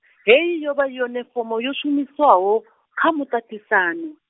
hei yo vha yone fomo yo shumishwaho, kha muṱaṱisano.